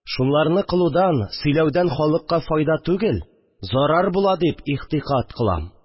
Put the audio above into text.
Шуларны кылудан, сөйләүдән халыкка файда түгел, зарар була дип игътикад кылам